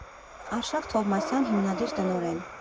Արշակ Թովմասյան Հիմնադիր տնօրեն։